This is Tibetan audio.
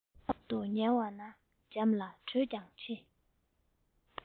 ཐོག ཏུ ཉལ བ ན འཇམ ལ དྲོད ཀྱང ཆེ